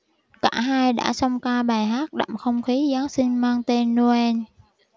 cả hai đã song ca bài hát đậm không khí giáng sinh mang tên noel